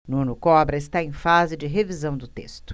nuno cobra está em fase de revisão do texto